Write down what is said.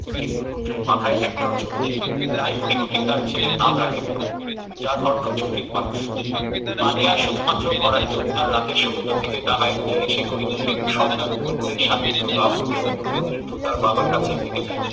কিন্তু পুত্রের মাথায় একটাও চুল নেই তাই করিটুকি তার ছেলের নাম রাখে মুড়মুড় যার অর্থ চুলহীন মানুষ পানিয়া শুধুমাত্র ভরাট জ্যোৎস্নার রাতে সমুদ্র থেকে ডাঙায় উঠে এসে করিটুকি ও সন্তান মুড়মুড়ের সান্নিধ্য লাভ করলেও মুড়মুড় কিন্তু তার বাবার কাছেই থেকে যায়